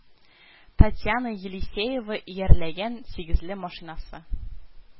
Татьяна Елисеева иярләгән сигезле машинасы